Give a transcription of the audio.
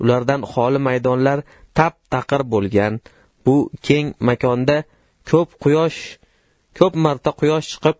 ulardan xoli maydonlar tap taqir bo'lgan bu keng makonda ko'p marta quyosh chiqib